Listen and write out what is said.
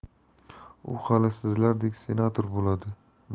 u hali sizlardek senator bo'ladi